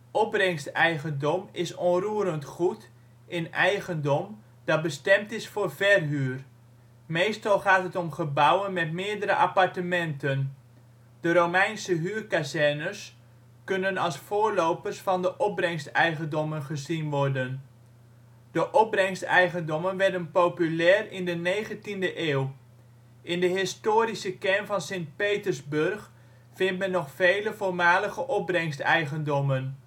Opbrengsteigendom is onroerend goed in eigendom dat bestemd is voor verhuur. Meestal gaat het om gebouwen met meerdere appartementen. De Romeinse huurkazernes kunnen als voorlopers van de opbrengsteigendommen gezien worden. De opbrengsteigendommen werden populair in de 19e eeuw. In de historische kern van Sint-Petersburg vindt men nog veel (voormalige) opbrengsteigendommen